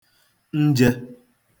njē